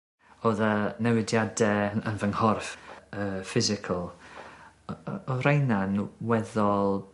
Odd y newidiade y- yn fy nghorff yy physical o- o- odd rheina'n weddol